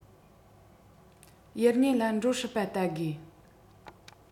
ཡུལ དངོས ལ འགྲོ སྲིད ལ བལྟ དགོས